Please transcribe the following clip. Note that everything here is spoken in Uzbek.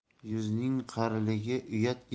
yuzning qoraligi uyat